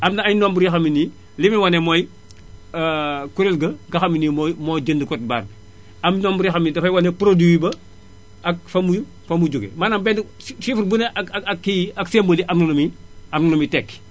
am na ay nombre yoo xam ne li muy wane mooy kuréel ga nga xam ne nii mooy moo jënd code barre bi am nombres yoo xam ne dafay wane produit ba ak fa mu fa mu jógee maanaam benn chiffre bu ne ak ak ak kii ak symbole yi am na lu muy am na lu muy tekki